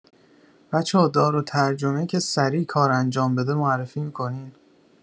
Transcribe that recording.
بچه‌ها دارالترجمه‌ای که سریع کار انجام بده معرفی می‌کنین؟